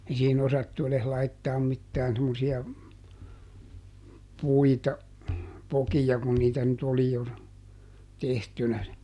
ei siihen osattu edes laittaa mitään semmoisia puita pokia kun niitä nyt oli jo tehtynä -